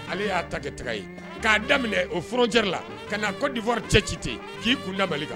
Ale y'a ta kɛ taga ye k'a daminɛ oorocɛri la ka' kɔ difɔ cɛ ci ten k'i kun labali